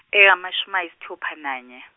engamashumi ayisithupha nan-.